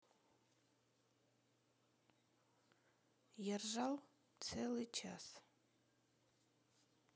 я ржал целый час